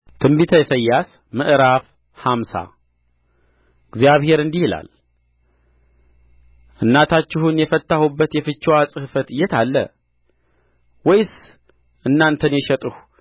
ትንቢተ ኢሳይያስ ምዕራፍ ሃምሳ እግዚአብሔር እንዲህ ይላል እናታችሁን የፈታሁበት የፍችዋ ጽሕፈት የት አለ ወይስ እናንተን የሸጥሁ